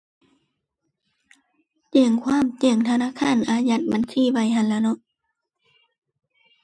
แจ้งความ แจ้งธนาคารอายัดบัญชีไว้หั้นล่ะเนาะ